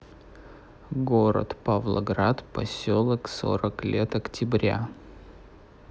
город павлоград поселок сорок лет октября